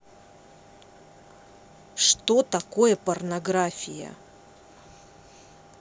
что такое порнография